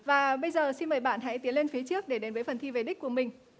và bây giờ xin mời bạn hãy tiến lên phía trước để đến với phần thi về đích của mình